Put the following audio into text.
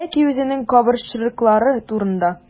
Яки үзенең кабырчрыклары турында.